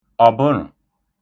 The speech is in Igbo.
ọ̀bə̣ṙə̣̀